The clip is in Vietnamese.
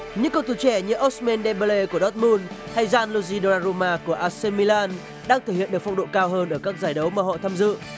những cầu thủ trẻ như ót man đe phờ lê của đót mun hay gian si đô ra ru ma của a sê mi lan đang thực hiện được phong độ cao hơn ở các giải đấu mà họ tham dự